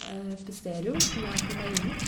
Pstereo, som er på Marinen.